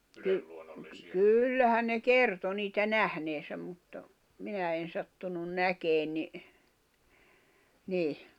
- kyllähän ne kertoi niitä nähneensä mutta minä en sattunut näkemään niin niin